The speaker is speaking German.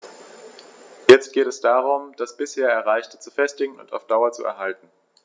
Jetzt geht es darum, das bisher Erreichte zu festigen und auf Dauer zu erhalten.